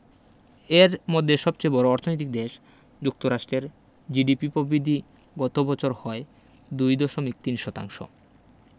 এর মধ্যে সবচেয়ে বড় অর্থনৈতিক দেশ যুক্তরাষ্ট্রের জিডিপি পবিদ্ধি গত বছর হয় ২.৩ শতাংশ